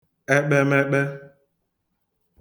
ekpemekpe